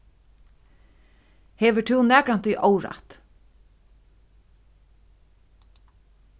hevur tú nakrantíð órætt